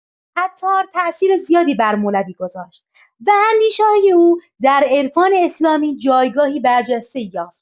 عطار تأثیر زیادی بر مولوی گذاشت و اندیشه‌های او در عرفان اسلامی جایگاهی برجسته یافت.